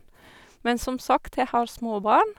Men som sagt, jeg har små barn.